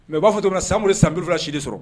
Mɛ b'a fɔ to san m sanbrilila si de sɔrɔ